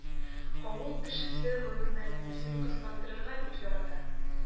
Авыл кешесе гомумән үзен кызгандырырга бик ярата.